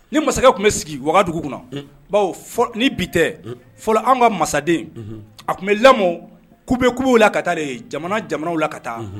Ni masakɛ kun bɛ sigi wagadugu kɔnɔ baw ni bi tɛ fɔlɔ anw ka masaden a kun bɛ lamɔ kube kubew la ka taa de . Jamana jamanaw la ka taa.